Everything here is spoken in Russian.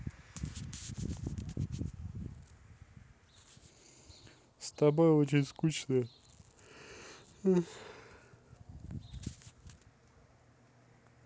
с тобой очень скучно